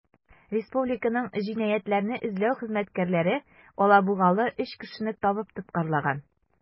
Республиканың җинаятьләрне эзләү хезмәткәрләре алабугалы 3 кешене табып тоткарлаган.